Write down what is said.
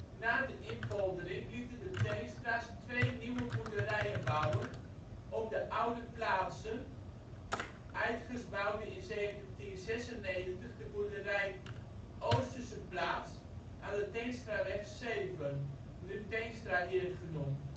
Na de inpoldering lieten de Teenstra 's twee nieuwe boerderijen bouwen op de oude plaatsen; Aedges bouwde in 1796 de boerderij Oostersche plaats aan de Teenstraweg 7 (nu Teenstraheerd genoemd